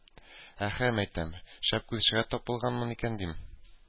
Әһә, мәйтәм, шәп күршегә тап булганмын икән, дим.